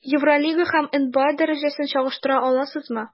Евролига һәм НБА дәрәҗәсен чагыштыра аласызмы?